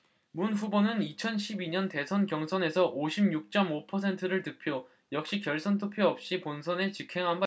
문 후보는 이천 십 이 년 대선 경선에서 오십 육 쩜 오 퍼센트를 득표 역시 결선투표 없이 본선에 직행한 바 있다